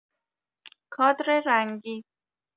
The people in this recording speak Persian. کادر رنگی